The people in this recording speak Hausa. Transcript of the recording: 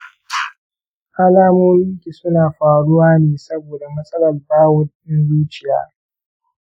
“alamominki suna faruwa ne saboda matsalar bawul ɗin zuciya.